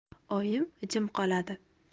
oyim jim qoladi